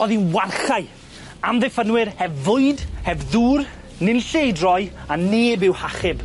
O'dd 'i warchai amddiffynwyr heb fwyd, heb ddŵr, ninlle i droi, a neb i'w hachub.